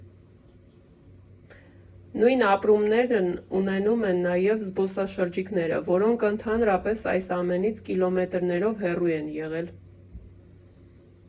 Նույն ապրումներն ունենում են նաև զբոսաշրջիկները, որոնք ընդհանրապես այս ամենից կիլոմետրերով հեռու են եղել։